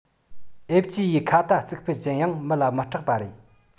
ཨེབ ཅི ཡི ཁྭ ཏ གཙུག ཕུད ཅན ཡང མི ལ མི སྐྲག པ རེད